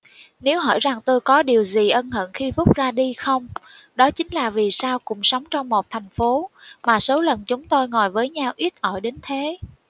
nếu hỏi rằng tôi có điều gì ân hận khi phúc ra đi không đó chính là vì sao cùng sống trong một thành phố mà số lần chúng tôi ngồi với nhau ít ỏi đến thế